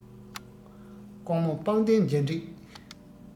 ཀོང མོ པང གདན འཇའ འགྲིག